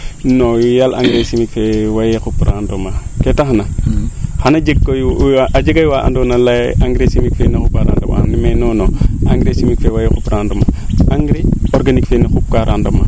non yeel engrais chimique fee wee xup rendement ke tax na xana jeg koy a jega waa ando naye owey leyaa ye engrais chimique fee naa xupa rendement mais non non engrais chimique fee fee wee xum rendement engrais organique fee na xupkaa rendement